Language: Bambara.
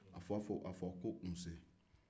a fɔ-a fɔ-fɔn ko nse